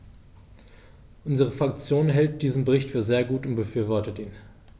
Unsere Fraktion hält diesen Bericht für sehr gut und befürwortet ihn.